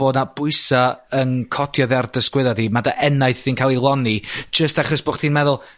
bod 'na bwysa' yn codi oddi ar dy sgwydda di ma' enaith yn ca'l 'i loni, jyst achos bo' chdi'n meddwl